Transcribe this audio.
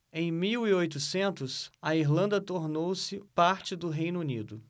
em mil e oitocentos a irlanda tornou-se parte do reino unido